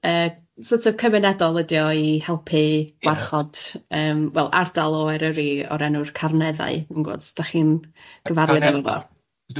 y sort of cymunedol ydy o i helpu gwarchod yym wel ardal o Eryri o'r enw'r Carneddau, dwi'n gwybod os dach chi'n gyfarwydd efo fo.